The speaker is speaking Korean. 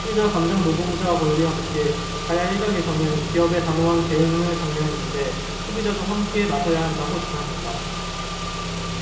소비자 감정노동자 권리 함께 가야일각에서는 기업의 단호한 대응을 장려하는데 소비자도 함께 나서야 한다고 주장한다